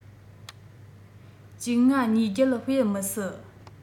༡༥༢༨ དཔེ མི སྲིད